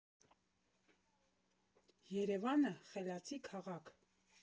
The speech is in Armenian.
Երևանը խելացի քաղաք։